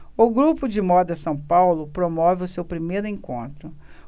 o grupo de moda são paulo promove o seu primeiro encontro